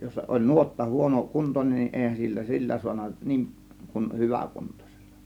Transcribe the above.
jos oli nuotta - huonokuntoinen niin eihän sillä sillä saanut niin kuin - hyväkuntoisella